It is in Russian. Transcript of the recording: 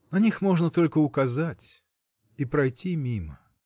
На них можно только указать -- и пройти мимо.